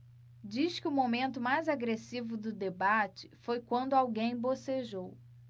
diz que o momento mais agressivo do debate foi quando alguém bocejou